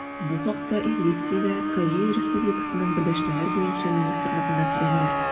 Бу хакта «Известия»гә Корея Республикасының берләшмәләр буенча министрлыгында сөйләделәр.